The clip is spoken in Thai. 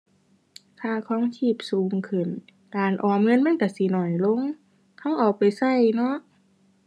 ค่าครองชีพสูงขึ้น การออมเงินมันก็สิน้อยลง ก็เอาไปก็เนาะ